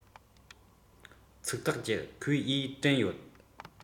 ཚིག ཐག བཅད ཁོས ཡས དྲན ཡོད